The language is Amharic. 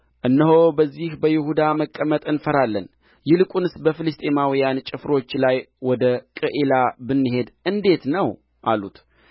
እነሆ በዚህ በይሁዳ መቀመጥ እንፈራለን ይልቁንስ በፍልስጥኤማውያን ጭፍሮች ላይ ወደ ቅዒላ ብንሄድ እንዴት ነው አሉት